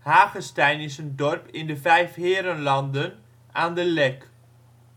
Hagestein is een dorp in de Vijfheerenlanden aan de Lek,